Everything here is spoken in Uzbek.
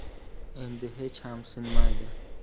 endi hech ham sinmaydi